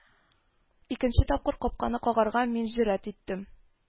Икенче тапкыр капканы кагарга мин җөрьәт иттем